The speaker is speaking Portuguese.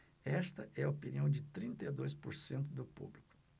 esta é a opinião de trinta e dois por cento do público